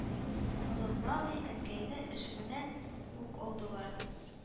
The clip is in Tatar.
Озакламый Әнкәйне эшеннән үк алдылар.